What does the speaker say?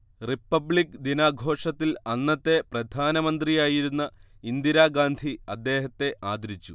republic ദിനാഘോഷത്തിൽ അന്നത്തെ പ്രധാനമന്ത്രിയായിരുന്ന ഇന്ദിരാഗാന്ധി അദ്ദേഹത്തെ ആദരിച്ചു